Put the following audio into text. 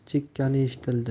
oh chekkani eshitildi